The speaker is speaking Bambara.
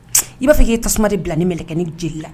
I b'a fɔ ko n'i ye tasuma de bila ni mɛlɛkɛnin joli la